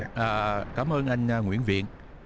ờ cám ơn anh nguyễn viện